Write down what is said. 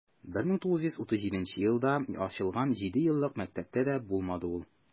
1937 елда ачылган җидееллык мәктәптә дә булмады ул.